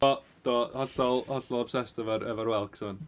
O do hollol hollol obsessed efo'r efo'r whelks 'wan.